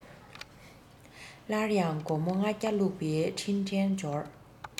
སླར ཡང སྒོར མོ ལྔ བརྒྱ བླུག པའི འཕྲིན ཕྲན འབྱོར